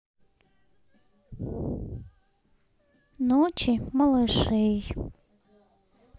ночи малышей